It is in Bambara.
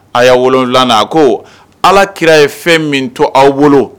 A y'a wolo wolonwula a ko ala kira ye fɛn min to aw bolo